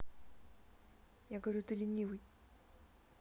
я говорю ты ленивый